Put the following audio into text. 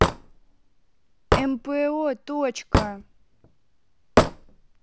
мпо точка